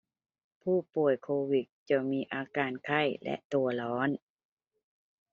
ผู้ป่วยโควิดจะมีอาการไข้และตัวร้อน